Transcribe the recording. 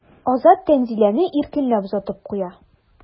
Азат Тәнзиләне иркенләп озатып куя.